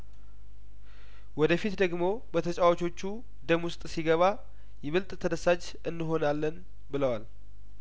ወደፊት ደግሞ በተጫዋቾቹ ደም ውስጥ ሲገባ ይበልጥ ተደሳች እንሆናለን ብለዋል